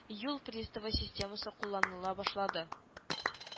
“юл приставы” системасы кулланыла башлады